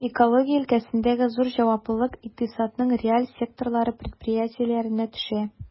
Экология өлкәсендәге зур җаваплылык икътисадның реаль секторлары предприятиеләренә төшә.